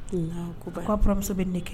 Alahu akibaru. Ka buranmuso bi ni ne kɛ.